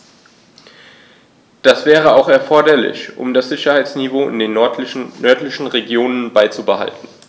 Das wäre auch erforderlich, um das Sicherheitsniveau in den nördlichen Regionen beizubehalten.